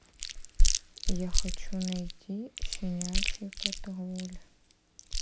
я хочу найти щенячий патруль